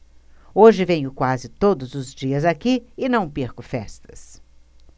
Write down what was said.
hoje venho quase todos os dias aqui e não perco festas